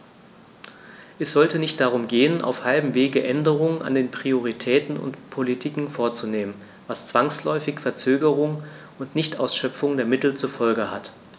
Es sollte nicht darum gehen, auf halbem Wege Änderungen an den Prioritäten und Politiken vorzunehmen, was zwangsläufig Verzögerungen und Nichtausschöpfung der Mittel zur Folge hat.